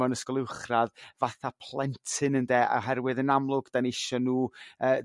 mewn ysgol uwchradd fatha plentyn ynde? Oherwydd yn amlwg dan ni isio nhw yrr